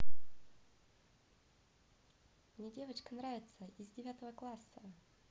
мне девочка нравится из девятого класса